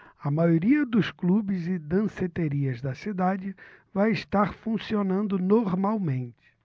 a maioria dos clubes e danceterias da cidade vai estar funcionando normalmente